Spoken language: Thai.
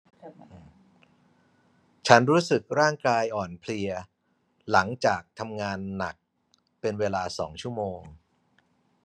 ฉันรู้สึกร่างกายอ่อนเพลียหลังจากทำงานหลังเป็นเวลาสองชั่วโมง